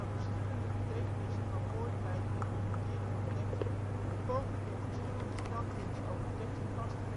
verschillende betekenissen van woorden bij het interpreteren van teksten; pogingen om verschillende standpunten over teksten vast